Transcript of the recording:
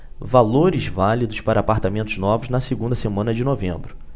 valores válidos para apartamentos novos na segunda semana de novembro